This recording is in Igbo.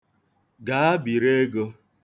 Gaa, biri ego.